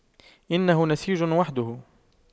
إنه نسيج وحده